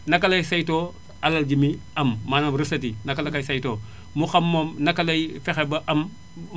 naka lay saytoo alal ji muy am maanaam recette yi naka la koy saytoo mu xam moom naka lay fexe ba am